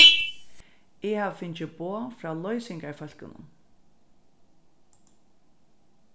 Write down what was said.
eg havi fingið boð frá loysingarfólkunum